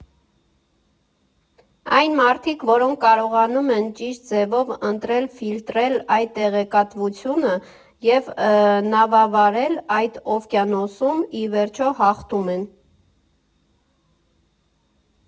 Այն մարդիկ, որոնք կարողանում են ճիշտ ձևով ընտրել, ֆիլտրել այդ տեղեկատվությունը և նավավարել այդ օվկիանոսում, ի վերջո հաղթում են։